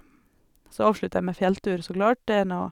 Så avslutter jeg med fjelltur, så klart, det er nå...